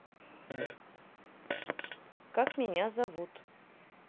как меня зовут